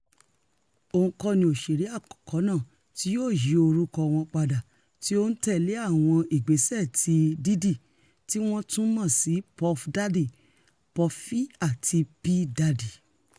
Òun kọ́ni òṣèré àkọ́kọ́ náà ti yóò yí orúkọ wọn padà tí ó ńtẹ̀lé àwọn ìgbésẹ̀ ti Diddy, tíwọ́n tún mọ̀ sí Puff Daddy, Puffy àti P Diddy.